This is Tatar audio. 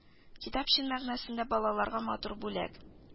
Китап чын мәгънәсендә балаларга матур бүләк